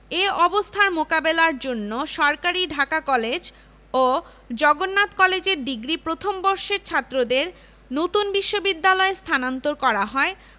এ অবস্থার মোকাবেলার জন্য সরকারি ঢাকা কলেজ ও জগন্নাথ কলেজের ডিগ্রি প্রথম বর্ষের ছাত্রদের নতুন বিশ্ববিদ্যালয়ে স্থানান্তর করা হয়